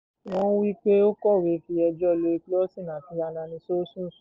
Wọ́n wí pé ó kọ̀wé fi ẹjọ́ #LoicLawson àti #AnaniSossou sùn.